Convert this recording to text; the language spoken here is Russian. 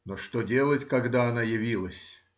но что делать, когда она явилась?